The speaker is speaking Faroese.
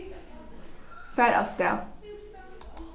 far avstað